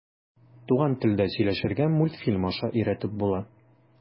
Туган телдә сөйләшергә мультфильм аша өйрәтеп була.